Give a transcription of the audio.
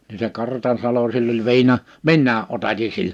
niin se Kartansalo sillä oli - minäkin otatin sillä